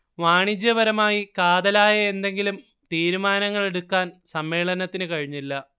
വാണിജ്യപരമായി കാതലായ എന്തെങ്കിലും തീരുമാനങ്ങൾ എടുക്കാൻ സമ്മേളനത്തിന് കഴിഞ്ഞില്ല